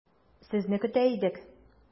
Сезне көтә идек.